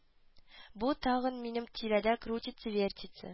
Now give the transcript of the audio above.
Бу тагын минем тирәдә крутится-вертится